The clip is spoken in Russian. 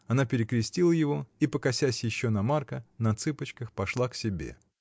Она перекрестила его и, покосясь еще на Марка, на цыпочках пошла к себе.